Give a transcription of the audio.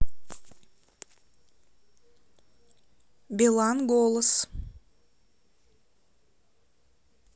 билан голос